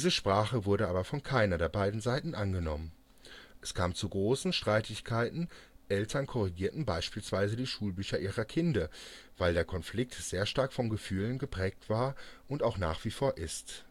Sprache wurde aber von keiner der beiden Seiten angenommen. Es kam zu großen Streitigkeiten, Eltern korrigierten beispielsweise die Schulbücher ihrer Kinder, weil der Konflikt sehr stark von Gefühlen geprägt war und auch nach wie vor ist